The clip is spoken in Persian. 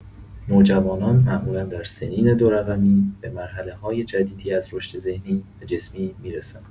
نوجوانان معمولا در سنین دورقمی به مرحله‌های جدیدی از رشد ذهنی و جسمی می‌رسند.